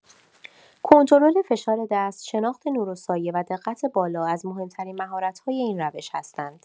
کنترل فشار دست، شناخت نور و سایه و دقت بالا از مهم‌ترین مهارت‌های این روش هستند.